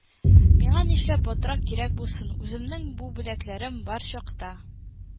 Миңа нишләп батрак кирәк булсын үземнең бу беләкләрем бар чакта